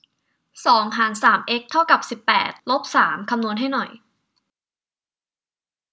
สองหารสามเอ็กซ์เท่ากับสิบแปดลบสามคำนวณให้หน่อย